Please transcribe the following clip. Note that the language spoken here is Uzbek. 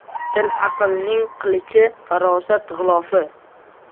til aqlning qilichi farosat g'ilofi